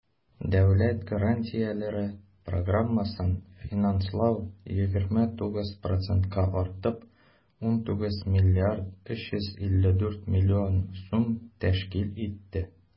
Дәүләт гарантияләре программасын финанслау 29 процентка артып, 19 млрд 354 млн сум тәшкил итте.